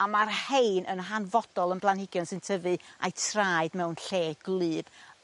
a ma'r hein yn hanfodol yn planhigion sy'n tyfu a'u traed mewn lle gwlyb